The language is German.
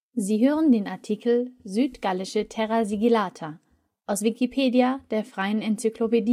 Sie hören den Artikel Südgallische Terra Sigillata, aus Wikipedia, der freien Enzyklopädie